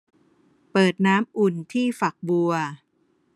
เปิดน้ำอุ่นที่ฝักบัว